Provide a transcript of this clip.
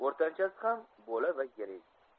ortanchasi ham bo'la va yirik